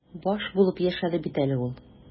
Баш булып яшәде бит әле ул.